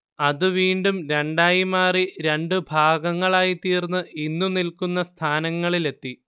അത് വീണ്ടും രണ്ടായി മാറി രണ്ട് ഭാഗങ്ങളായി തീർന്ന് ഇന്ന് നിൽക്കുന്ന സ്ഥാനങ്ങളിലെത്തി